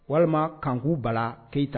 Walima Kanku Bala keyita.